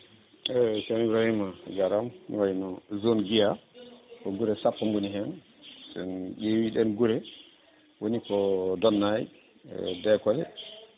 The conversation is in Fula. eyyi ceerno Ibrahima a jarama ne wayno zone Guiya ko guure sappo gooni hen sen ƴeewi ɗen guure woni ko Damaya e Dekoné